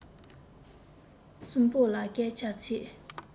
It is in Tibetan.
གསུམ པོ ལ སྐད ཆ ཚིག